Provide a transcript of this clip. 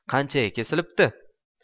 qanchaga kesilibdi